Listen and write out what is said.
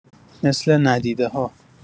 مثل ندیده‌ها